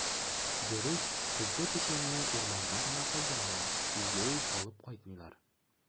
Дөрес, бездә печәнне урманда гына калдыралар, өйгә үк алып кайтмыйлар.